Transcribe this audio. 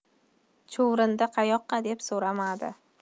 chuvrindi qayoqqa deb so'ramadi